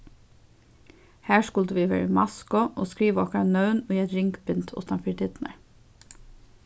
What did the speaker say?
har skuldu vit vera í masku og skriva okkara nøvn í eitt ringbind uttan fyri dyrnar